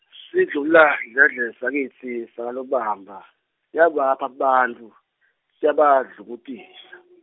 sidlubuladledle sakitsi sakaLobamba, siyabapha bantfu, siyabadlubutisa.